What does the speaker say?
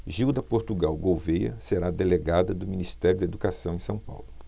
gilda portugal gouvêa será delegada do ministério da educação em são paulo